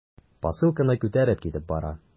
Посылканы күтәреп китеп бара.